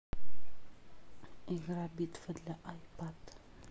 игра битва для айпад